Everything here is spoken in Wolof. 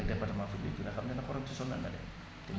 ak département Foundoigne nga xam ne nag xorom si sonal na leen